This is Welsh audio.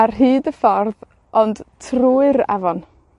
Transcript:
Ar hyd y ffordd, ond, trwy'r afon.